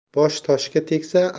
bosh toshga tegsa